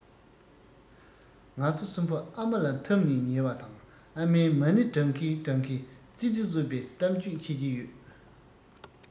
ང ཚོ གསུམ པོ ཨ མ ལ འཐམས ནས ཉལ བ དང ཨ མས མ ཎི བགྲང གིན བགྲང གིན ཙི ཙི གསོད པའི གཏམ རྒྱུད འཆད ཀྱི ཡོད